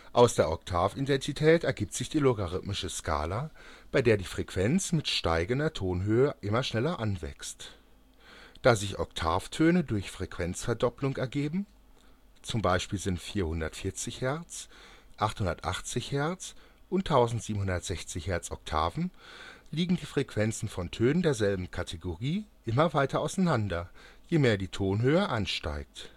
Aus der Oktavidentität ergibt sich die logarithmische Skala, bei der die Frequenz mit steigender Tonhöhe immer schneller anwächst: Da sich Oktavtöne durch Frequenzverdopplung ergeben (z.B. sind 440 Hz, 880 Hz und 1760 Hz Oktaven), liegen die Frequenzen von Tönen derselben Kategorie immer weiter auseinander, je mehr die Tonhöhe ansteigt